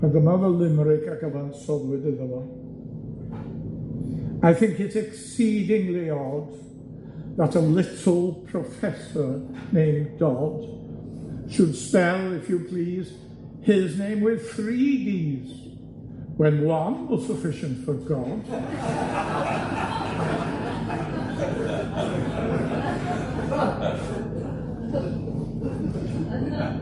A dyma 'odd y limeric a gyfansoddwyd iddo fo. I think it exceedingly odd that a little professor named Dodd should spell, if you please, his name with three d's, when one was sufficient for God.